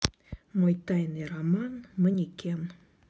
мой тайный роман манекен